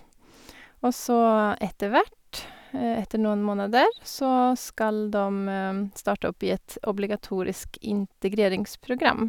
Og så etter hvert, etter noen måneder, så skal dem starte opp i et obligatorisk integreringsprogram.